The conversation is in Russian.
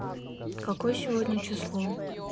какое сегодня число